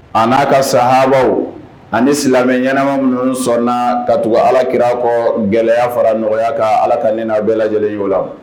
A n'a ka sahabaw ani silamɛ ɲɛnama minnu sɔnnaa ka tugu alakira kɔɔ gɛlɛya fara nɔgɔya kan Ala ka ne n'aw bɛɛ lajɛlen y'o la